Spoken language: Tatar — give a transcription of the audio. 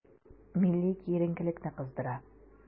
Милли киеренкелекне кыздыра.